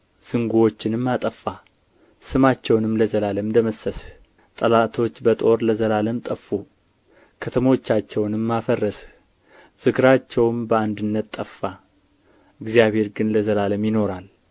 ዝንጉዎችንም አጠፋህ ስማቸውንም ለዘላለም ደመሰስህ ጠላቶች በጦር ለዘላለም ጠፉ ከተሞቻቸውንም አፈረስህ ዝክራቸውም በአንድነት ጠፋ እግዚአብሔር ግን ለዘላለም ይኖራል